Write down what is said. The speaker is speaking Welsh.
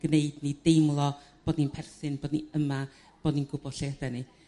gwneud ni deimlo bod ni'n perthyn bod ni yma bod ni'n gw'bod lle ydan ni.